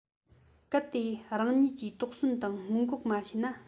གལ ཏེ རང ཉིད ཀྱིས དོགས ཟོན དང སྔོན འགོག མ བྱས ན